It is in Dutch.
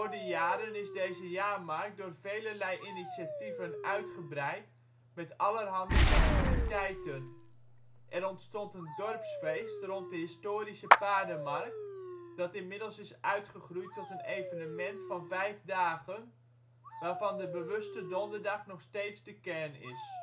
de jaren is deze jaarmarkt door velerlei initiatieven uitgebreid met allerhande festiviteiten. Er ontstond een dorpsfeest rond de historische paardenmarkt dat inmiddels is uitgegroeid tot een evenement van 5 dagen, waarvan de bewuste donderdag nog steeds de kern is